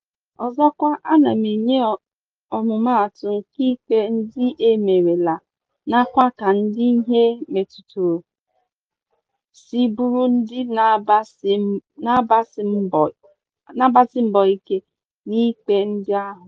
Ọzọkwa, ana m enye ọmụmaatụ nke ikpe ndị e merela nakwa ka ndị ihe meturu si bụrụ ndị na-agbasi mbọ ike n'ikpe ndị ahụ.